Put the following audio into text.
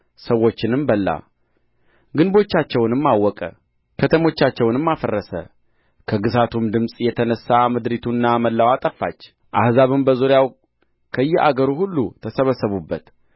ሰዎችንም በላ ግንቦቻቸውንም አወቀ ከተሞቻቸውንም አፈረሰ ከግሣቱም ድምፅ የተነሣ ምድሪቱና ሞላዋ ጠፋች አሕዛብም በዙሪያው ከየአገሩ ሁሉ ተሰበሰቡበት